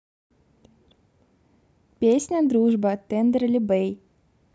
песня дружба tenderlybae